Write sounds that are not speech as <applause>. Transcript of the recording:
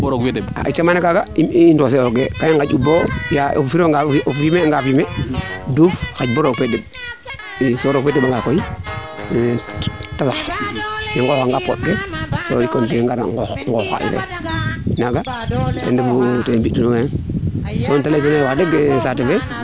camano kaaga ndoose ooge ga i nganj u boo fiya o fumier anga fumier duuf xanj boo roog fee deɓ i so roog fe deɓanga koy te sax i ngooy anga pooɗ ke so i continuer ngara ngoox o fi naaga <unintelligible>